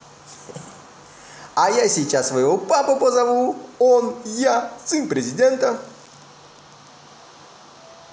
а я сейчас своего папу позову он я сын президента